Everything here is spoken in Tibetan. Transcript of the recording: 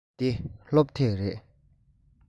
འདི སློབ དེབ རེད